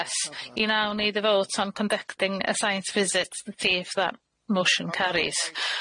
Yes, you now need a vote on conducting a site visit to see if that motion carries.